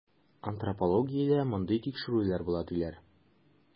Антропологиядә мондый тикшерүләр була, диләр.